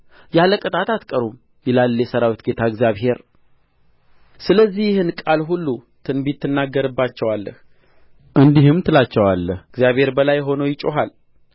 ያለ ቅጣት አትቀሩም ይላል የሠራዊት ጌታ እግዚአብሔር ስለዚህ ይህን ቃል ሁሉ ትንቢት ትናገርባቸዋለህ እንዲህም ትላቸዋለህ እግዚአብሔር በላይ ሆኖ ይጮኻል